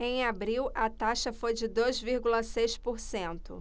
em abril a taxa foi de dois vírgula seis por cento